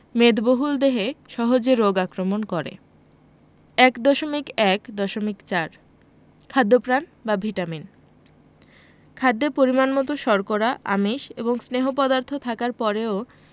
মেদবহুল দেহে সহজে রোগ আক্রমণ করে ১.১.৪ খাদ্যপ্রাণ বা ভিটামিন খাদ্যে পরিমাণমতো শর্করা আমিষ এবং স্নেহ পদার্থ থাকার পরেও